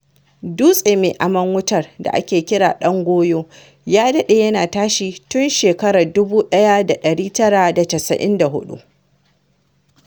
Dutse mai amon wutar da ake kira "Don Goyo" ya daɗe yana tashi tun 1994.